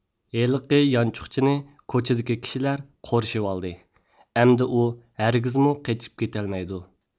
ھېلىقى يانچۇقچىنى كوچىدىكى كىشىلەر قورشىۋالدى ئەمدى ئۇ ھەرگىزمۇ قېچىپ كېتەلمەيدۇ